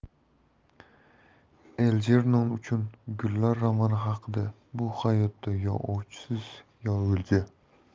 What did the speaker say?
eljernon uchun gullar romani haqida bu hayotda yo ovchisiz yo o'lja